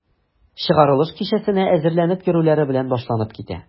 Чыгарылыш кичәсенә әзерләнеп йөрүләре белән башланып китә.